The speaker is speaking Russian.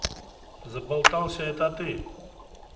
заболтался это ты